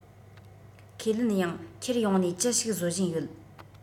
ཁས ལེན ཡང འཁྱེར ཡོང ནས ཅི ཞིག བཟོ བཞིན ཡོད